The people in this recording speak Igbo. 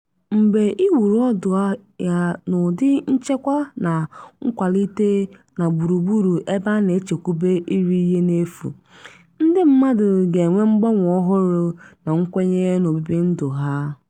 Mgbe i wuru ọdọahịa n'ụdị nchekwa na nkwalite na gburugburu ebe a na-echekwube iri ihe n'efu, ndị mmadụ ga-enwe mgbanwe ohụrụ na nkwenye na obibi ndụ ha.